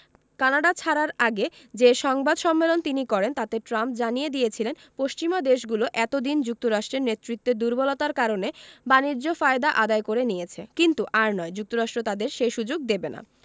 Canada ছাড়ার আগে যে সংবাদ সম্মেলন তিনি করেন তাতে ট্রাম্প জানিয়ে দিয়েছিলেন পশ্চিমা দেশগুলো এত দিন যুক্তরাষ্ট্রের নেতৃত্বের দুর্বলতার কারণে বাণিজ্য ফায়দা আদায় করে নিয়েছে কিন্তু আর নয় যুক্তরাষ্ট্র তাদের সে সুযোগ দেবে না